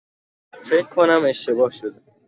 فک کنم اشتباه شده.